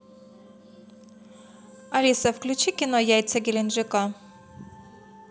алиса включи кино яйца геленджика